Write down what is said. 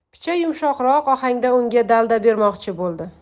picha yumshoqroq ohangda unga dalda bermoqchi bo'ldi